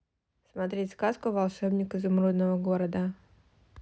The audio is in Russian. смотреть сказку волшебник изумрудного города